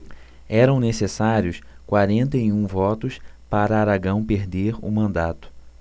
eram necessários quarenta e um votos para aragão perder o mandato